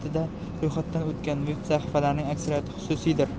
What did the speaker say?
sifatida ro'yxatdan o'tgan veb sahifalarning aksariyati xususiydir